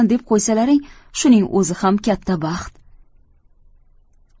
deb qo'ysalaring shuning o'zi ham katta g'animat